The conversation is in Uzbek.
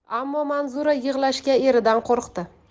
ammo manzura yig'lashga eridan qo'rqdi